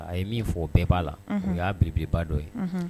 A ye min fɔ o bɛɛ b'a la o y'a bibba dɔ ye